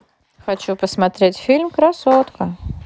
хочу посмотреть фильм красотка